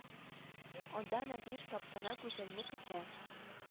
Анда надир таптана гүзәлне көтә